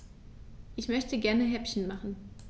Ich möchte gerne Häppchen machen.